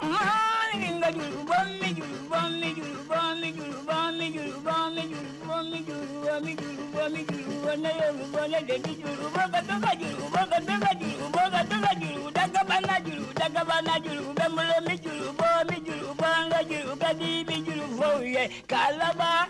Wadu0 bajugu bajugu bajugu0jugum jurujugu jaj duuru da jaba laj la laj m juru ba juru bangej kaji bɛ juruba ye ka laban